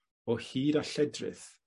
o hyd a lledrith